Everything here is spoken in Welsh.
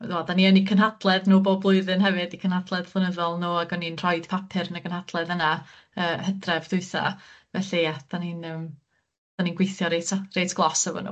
wel 'dan ni yn 'u cynhadledd nw bob blwyddyn hefyd 'u cynhadledd flynyddol nw ac o'n i'n rhoid papur yn y gynhadledd yna yy Hydref dwytha felly ia 'dan ni'n yym 'dan ni'n gweithio reit a- reit glos efo nw.